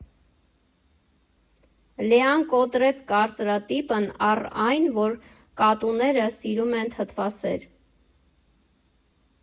Լեան կոտրեց կարծրատիպն առ այն, որ կատուները սիրում են թթվասեր։